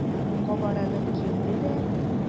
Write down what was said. Кабарынып килде дә.